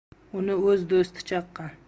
uni o'z do'sti chaqqan